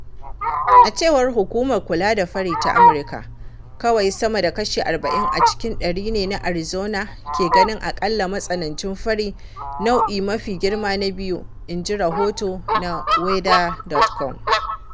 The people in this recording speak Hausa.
A cewar Hukumar Kula da Fari ta Amurka, kawai sama da kashi 40 cikin ɗari ne na Arizona ke ganin aƙalla matsanancin fari, nau’i mafi girma na biyu,” inji rahoto na weather.com.